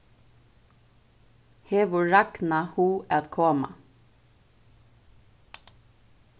hevur ragna hug at koma